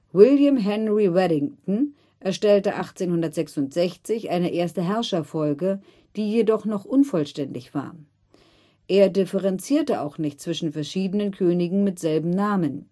William Henry Waddington erstellte 1866 eine erste Herrscherfolge, die jedoch noch unvollständig war. Er differenzierte auch nicht zwischen verschiedenen Königen mit selben Namen